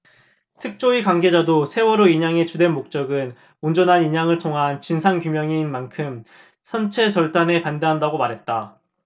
특조위 관계자도 세월호 인양의 주된 목적은 온전한 인양을 통한 진상규명인 만큼 선체 절단에 반대한다고 말했다